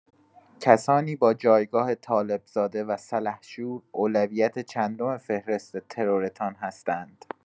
کسانی با جایگاه طالب‌زاده و سلحشور اولویت چندم فهرست ترورتان هستند؟